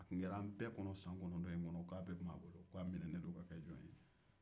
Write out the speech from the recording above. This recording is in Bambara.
a tun kɛra an bɛɛ kɔnɔ san kɔnɔntɔn in kɔnɔ k'a tun kɛra dɔ ka jɔn ye